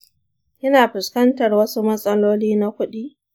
kina fuskantar wasu matsaloli na kudi?